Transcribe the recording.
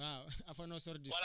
voilà le nom scientifique